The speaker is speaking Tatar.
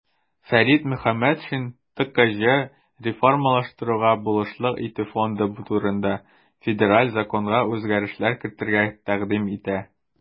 Фәрит Мөхәммәтшин "ТКҖ реформалаштыруга булышлык итү фонды турында" Федераль законга үзгәрешләр кертергә тәкъдим итә.